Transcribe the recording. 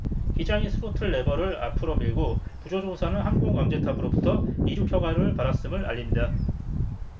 기장이 스로틀 레버를 앞으로 밀고 부조종사는 항공 관제탑으로부터 이륙 허가를 받았음을 알립니다